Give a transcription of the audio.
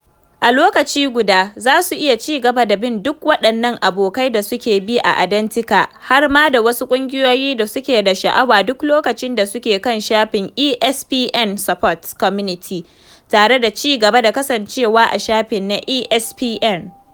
A lokaci guda, za su iya ci gaba da bin duk waɗannan abokai da suke bi a Identi.ca har ma da wasu ƙungiyoyi da suke da sha’awa, duk lokacin da suke kan shafin ESPN sports community, tare da ci gaba da kasancewa a shafin na ESPN.